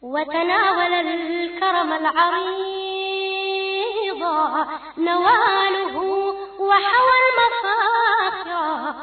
Wadugukɔrɔbugu wa